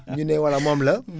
ñu ne voilà moom la